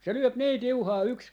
se lyö niin tiuhaa yksi